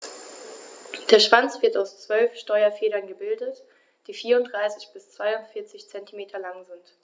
Der Schwanz wird aus 12 Steuerfedern gebildet, die 34 bis 42 cm lang sind.